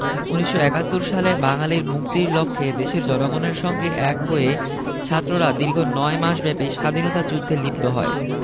১৯৭১ সালে বাঙালির মুক্তির লক্ষ্যে দেশের জনগণের সঙ্গে এক হয়ে ছাত্ররা দীর্ঘ নয় মাসব্যাপী স্বাধীনতা যুদ্ধে লিপ্ত হয়